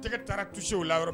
An tɛgɛ taara susi la yɔrɔ